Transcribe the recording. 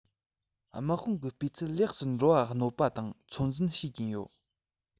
དམག དཔུང གི སྤུས ཚད ལེགས སུ འགྲོ བར གནོད པ དང ཚོད འཛིན བྱེད ཀྱིན ཡོད